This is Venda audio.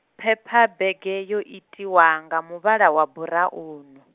phephabege yo itiwa nga muvhala wa buraunu.